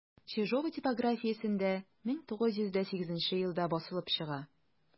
Чижова типографиясендә 1908 елда басылып чыга.